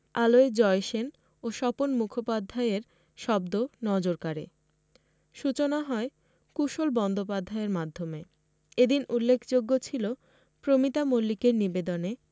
আলোয় জয় সেন ও স্বপন মুখোপাধ্যায়ের শব্দ নজর কাড়ে সূচনা হয় কূশল বন্দ্যোপাধ্যায়ের মাধ্যমে এদিন উল্লেখযোগ্য ছিল প্রমিতা মল্লিকের নিবেদনে